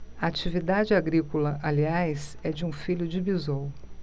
a atividade agrícola aliás é de um filho de bisol